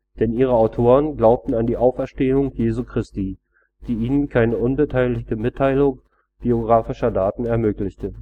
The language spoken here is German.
Denn ihre Autoren glaubten an die Auferstehung Jesu Christi, die ihnen keine unbeteiligte Mitteilung biografischer Daten ermöglichte